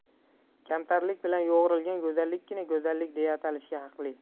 kamtarlik bilan yo'g'rilgan go'zallikkina go'zallik deya atalishga haqli